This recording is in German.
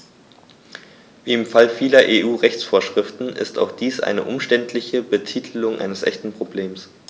Wie im Fall vieler EU-Rechtsvorschriften ist auch dies eine umständliche Betitelung eines echten Problems.